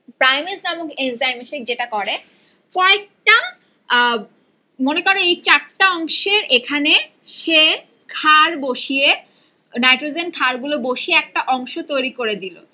primase নামক enzyme এসে যেটা করে কয়েকটা মনে করো এই চারটা অংশের এখানে সে ক্ষার বসিয়ে নাইট্রোজেন ক্ষার গুলো বসিয়ে একটা অংশ তৈরি করে দিল